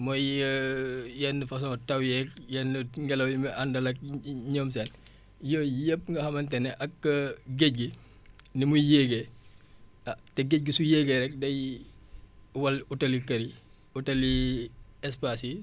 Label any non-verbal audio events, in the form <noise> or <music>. mooy <hesitation> yenn façon taw yeeg yenn ngelaw yi muy àndal ak ñoom seen yooyu yëpp nga xamante ne ak géej gi nu muy yéegee ah te géej gi su yéegee rek day <hesitation> wal utali kër yi utali <hesitation> espaces yi